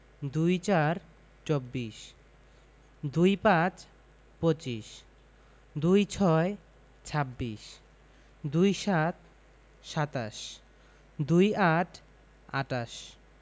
২৪ – চব্বিশ ২৫ – পঁচিশ ২৬ – ছাব্বিশ ২৭ – সাতাশ ২৮ - আটাশ